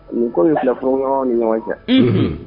N ko ni filakunɲɔgɔn ni ɲɔgɔn cɛ